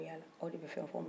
mɔgɔ tɛ fosi fɔ aw y'a la